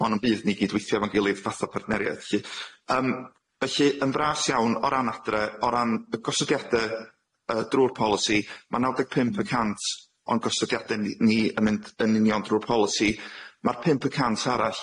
ma' on yn bydd ni gyd weithio efo'n gilydd fath o partneriaeth felly yym felly yn fras iawn o ran adre o ran y gosodiade yy drw'r polisi ma' naw deg pump y cant o'n gosodiade ni ni yn mynd yn union drw polisi ma'r pump y cant arall